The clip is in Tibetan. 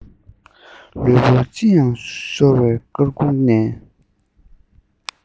ལུས པོ ལྕི ཡང ཤོར བས སྐར ཁུང ནས